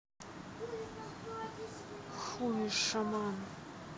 хуй и шаман